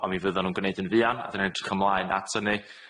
on' mi fyddan nw'n gneud yn fuan, a 'dan ni'n edrych ymlaen at hynny.